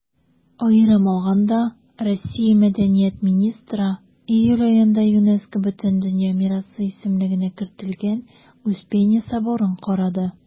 Аерым алганда, Россия Мәдәният министры июль аенда ЮНЕСКО Бөтендөнья мирасы исемлегенә кертелгән Успенья соборын карады.